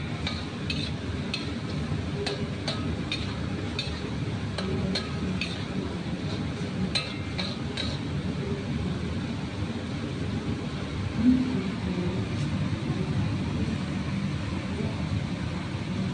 Meeshaan waa hool seddex wiil ayaa xaga kamuuqdo. Dhalada meesha waa cadaan darbiguna Waa cadaan mukeyf cadaan ah ayaa kudhagan. Miiska meesha yaala iyo kursiga waa qaxwi. Mutuleelkuna waa cadaan.